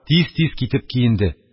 Тиз-тиз китеп киенде